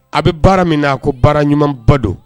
A bɛ baara min na a ko baara ɲumanba don